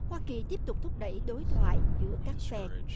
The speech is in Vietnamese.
hoa kỳ tiếp tục thúc đẩy đối thoại giữa các phe